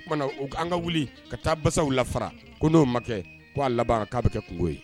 O kumana u an ka wuli ka taa basaw lafa ko n'o ma kɛ k' aa labanra k'a bɛ kɛ kungo ye